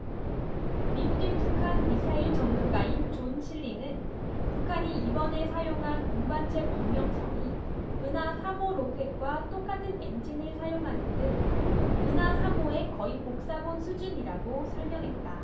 미국의 북한 미사일 전문가인 존 실링은 북한이 이번에 사용한 운반체 광명성이 은하 삼 호 로켓과 똑같은 엔진을 사용하는 등 은하 삼 호의 거의 복사본 수준이라고 설명했다